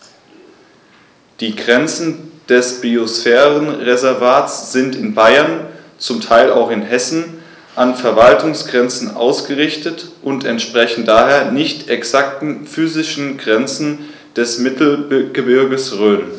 Die Grenzen des Biosphärenreservates sind in Bayern, zum Teil auch in Hessen, an Verwaltungsgrenzen ausgerichtet und entsprechen daher nicht exakten physischen Grenzen des Mittelgebirges Rhön.